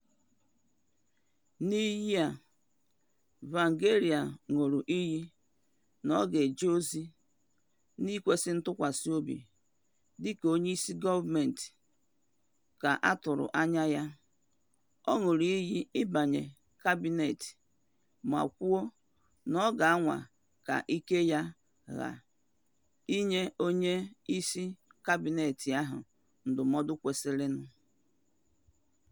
N'iyi a, Tsvangirai ṅụrụ iyi na ọ ga-eje ozi n'ikwesị ntụkwasị obi dịka Prime Minister, ka a tụrụ anya ya, ọ ṅụrụ iyi ịbanye kabịnet ma kwuo na ọ ga-anwa ka ike ya gha ịnye onyeisi kabịnet ahụ ndụmọdụ kwesịrị nụ.